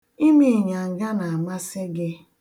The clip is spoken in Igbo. Ime ịnyanga na-amasị gị.